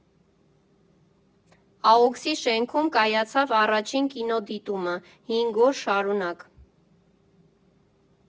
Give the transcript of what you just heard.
ԱՕՔՍ֊ի շենքում կայացավ առաջին կինոդիտումը՝ հինգ օր շարունակ։